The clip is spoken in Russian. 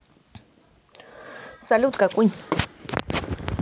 салют какунь